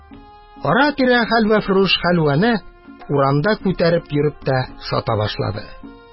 Ара-тирә хәлвәфрүш хәлвәне урамда күтәреп йөреп тә сата башлады.